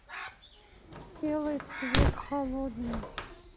сделай цвет холодным